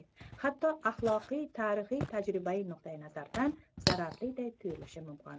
hatto axloqiy tarixiy tajriba nuqtai nazaridan zararliday tuyulishi mumkin